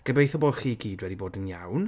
Gobeithio bo' chi gyd wedi bod yn iawn.